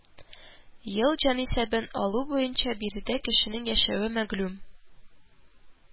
Ел җанисәбен алу буенча биредә кешенең яшәве мәгълүм